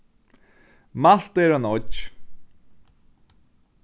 malta er ein oyggj